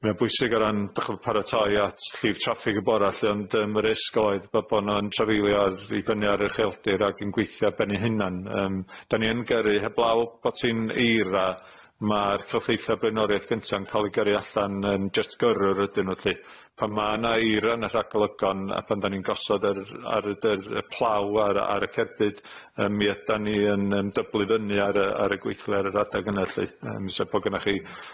Ma'n bwysig o ran 'd'ch'bo' paratoi at llif traffig y bora lly ond yym y risg oedd bo' bo' n'w'n trafeilio ar i fyny ar y ucheldir ag yn gweithio ar ben'i hunan yym 'dan ni yn gyrru heblaw bod hi'n eira ma'r Cylchdeithia' Blaenoriaeth Cynta'n ca'l 'i gyrru allan yym jyst gyrrwr ydyn n'w lly pan ma' 'na eira yn y rhagolygon a pan 'dan ni'n gosod yr ar y dy'r yy plough ar a- ar y cerbyd yym mi ydan ni yn yym dyblu fyny ar yy ar y gweithle ar yr adag yna lly yym so bo' gynnoch chi yym